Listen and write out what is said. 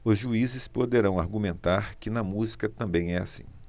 os juízes poderão argumentar que na música também é assim